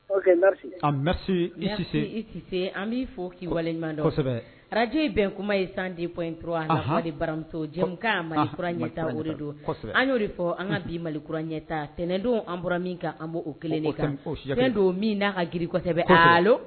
An bɛ fɔ wale ararakajo bɛn kuma ye san denp in an baramuso kakura ɲɛ don an' de fɔ an ka bi malikura ɲɛta ntɛnɛndenw an bɔra min kan an oo kelen de kan don min na ka giri kosɛbɛlo